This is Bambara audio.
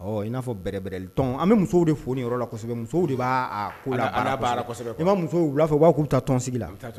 N'a fɔ bɛrɛbrɛlɛli tɔn an bɛ muso de foni yɔrɔ musow de b' muso wula fɛ u'a k'u taa tɔn sigi la